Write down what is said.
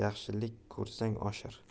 yaxshilik ko'rsang oshir